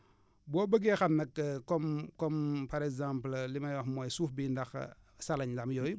boo bëggee xam nag comme comme par exemple li may wax mooy suuf bi ndax salañ la am yooyu